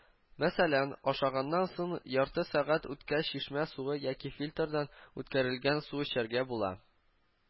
Мәсәлән, ашаганнан соң ярты сәгать үткәч чишмә суы яки фильтрдан үткәрелгән су эчәргә була